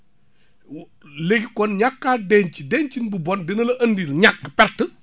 léegi kon ñàkk a denc dencin bu bon dina la andil ñàkk perte